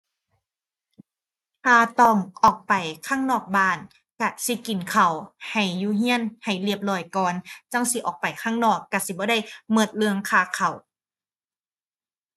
ถ้าต้องออกไปข้างนอกบ้าน ก็สิกินข้าวให้อยู่ก็ให้เรียบร้อยก่อน จั่งสิออกไปข้างนอก ก็สิบ่ได้ก็เรื่องค่าข้าว